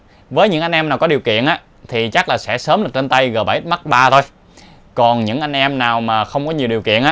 với những anh em nào có điều kiện thì sẽ sớm được trên tay g x mark iii thôi còn những anh em nào mà không có nhiều điều kiện